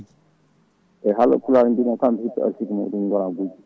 eyyi haaloɓe Pulaar mbima kala mo heppe arsugue muɗum goona gujjo